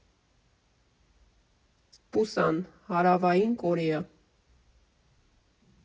Պուսան, Հարավային Կորեա։